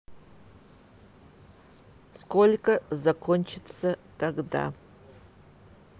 сколько закончится тогда